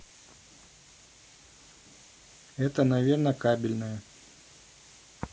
это наверное кабельное